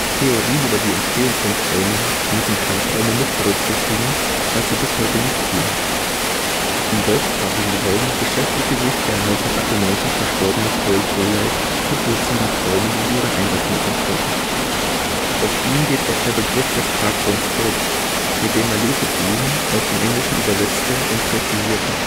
Theorien über die Entstehung von Träumen müssen Klarträume mitberücksichtigen, was sie bis heute nicht tun. Im deutschsprachigen Raum beschäftigte sich der 1998 verstorbene Paul Tholey mit luziden Träumen und ihren Einsatzmöglichkeiten. Auf ihn geht auch der Begriff des Klartraums zurück, mit dem er lucid dream aus dem Englischen übersetzte und präzisierte